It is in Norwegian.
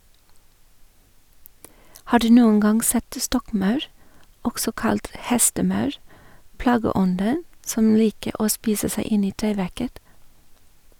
Har du noen gang sett stokkmaur, også kalt hestemaur, plageånden som liker å spise seg inn i treverket?